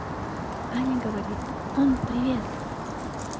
аня говорит он привет